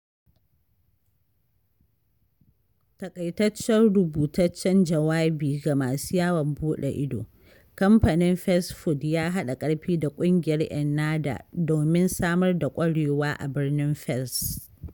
(Taƙaitaccen rubutaccen jawabi ga masu yawon buɗe ido: Kamfanin Fez Food ya haɗa ƙarfi da Ƙungiyar ENNAHDA domin samar da ƙwarewar a birnin Fez).